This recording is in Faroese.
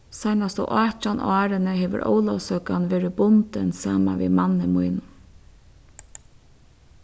seinastu átjan árini hevur ólavsøkan verið bundin saman við manni mínum